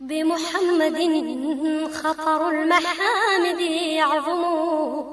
Denmumusonindi yobugu